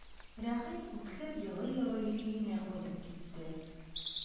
Рәкыйп үксеп елый-елый өенә кайтып китте.